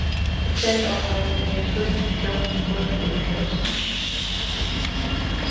vit seta okkum inn í eitt lítið fjálgt høli í fjósinum